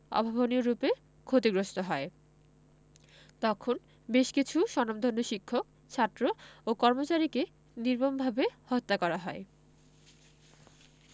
অভাবনীয়রূপে ক্ষতিগ্রস্ত হয় তখন বেশ কিছু স্বনামধন্য শিক্ষক ছাত্র ও কর্মচারীকে নির্মমভাবে হত্যা করা হয়